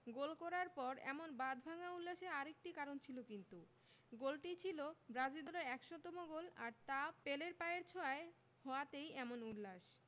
গোল করার পর এমন বাঁধভাঙা উল্লাসের আরেকটি কারণ কিন্তু ছিল গোলটি ছিল ব্রাজিল দলের ১০০তম গোল আর তা পেলের পায়ের ছোঁয়ায় হওয়াতেই এমন উল্লাস